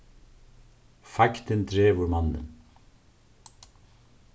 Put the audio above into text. feigdin dregur mannin